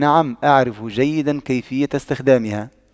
نعم اعرف جيدا كيفية استخدامها